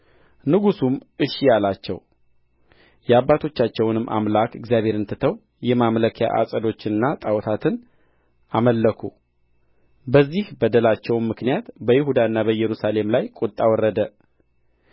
ንጉሡም እሺ አላቸው የአባቶቻቸውንም አምላክ እግዚአብሔርን ትተው የማምለኪያ ዐፀዶችንና ጣዖታትን አመለኩ በዚህ በደላቸውም ምክንያት በይሁዳና በኢየሩሳሌም ላይ ቍጣ ወረደ